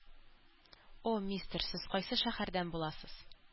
О, мистер, сез кайсы шәһәрдән буласыз?